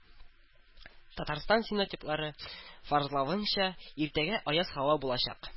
Татарстан синоптиклары фаразлавынча, иртәгә аяз һава булачак